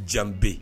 Jamu bɛ